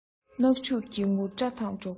གནག ཕྱུགས ཀྱི ངུར སྒྲ དང འབྲོག གླུ